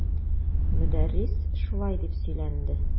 Мөдәррис шулай дип сөйләнде.